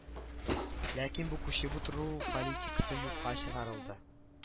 Ләкин бу күчеп утыру политикасы юкка чыгарылды